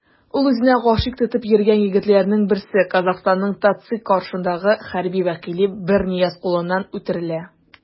Ул үзенә гашыйк тотып йөргән егетләрнең берсе - Казахстанның ТатЦИК каршындагы хәрби вәкиле Бернияз кулыннан үтерелә.